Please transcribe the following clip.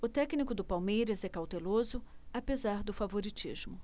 o técnico do palmeiras é cauteloso apesar do favoritismo